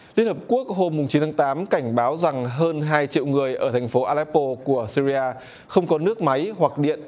liên hiệp quốc hôm mùng chín tháng tám cảnh báo rằng hơn hai triệu người ở thành phố a lép bô của sia ri a không có nước máy hoặc điện